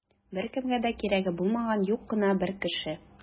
Беркемгә дә кирәге булмаган юк кына бер кеше.